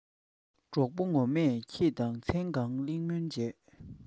གྲོགས པོ ངོ མས ཁྱེད དང མཚན གང གླེང མོལ བྱས